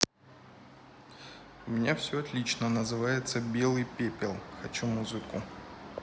у меня все отлично хочу музыку называется белый пепел